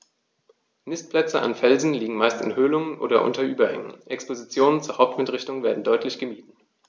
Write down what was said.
Nistplätze an Felsen liegen meist in Höhlungen oder unter Überhängen, Expositionen zur Hauptwindrichtung werden deutlich gemieden.